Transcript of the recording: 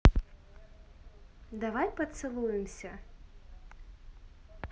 давай поцелуемся